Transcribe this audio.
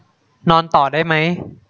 นอนต่อได้มั้ย